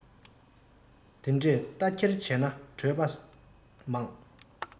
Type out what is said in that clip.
དེ འདྲས རྟ འཁྱེར བྱས ནས བྲོས པ མང